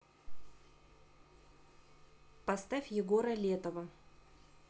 поставь егора летова